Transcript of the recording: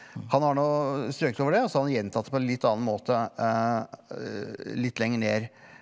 han har nå strøket over det og så har han gjentatt det på en litt annen måte litt lenger ned.